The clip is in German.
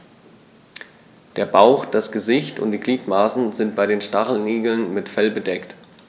Der Bauch, das Gesicht und die Gliedmaßen sind bei den Stacheligeln mit Fell bedeckt.